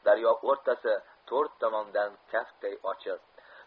daryo o'rtasi to'rt tomondan kaftday ochiq